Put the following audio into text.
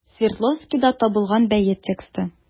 Свердловскида табылган бәет тексты.